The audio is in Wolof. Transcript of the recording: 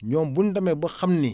ñoom bu ñu demee ba xam ni